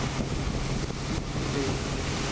чип и дейл